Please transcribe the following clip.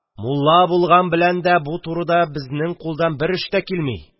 Мулла булган белән дә бу турыда безнең кулдан бер эш тә килми.